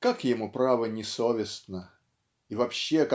как ему, право, не совестно!. И вообще